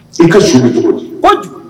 I ka sun cogo o kojugu